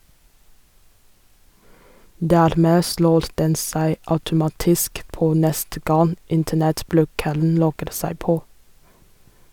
Dermed slår den seg automatisk på neste gang internettbrukeren logger seg på.